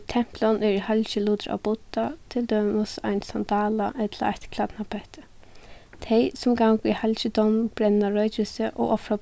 í templum eru halgilutir av budda til dømis ein sandala ella eitt klædnapetti tey sum ganga í halgidómin brenna roykilsi og ofra